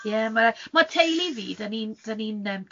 Ie, ma' ma' teulu fi, 'dan ni'n 'dan ni'n yym